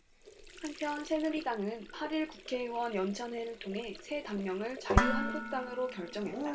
한편 새누리당은 팔 일 국회의원 연찬회를 통해 새 당명을 자유한국당으로 결정했다